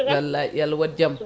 wallay yo Allah wat jaam